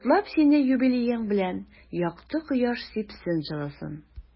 Котлап сине юбилеең белән, якты кояш сипсен җылысын.